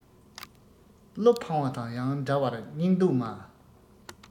བློ ཕངས བ དང ཡང འདྲ བར སྙིང སྡུག མ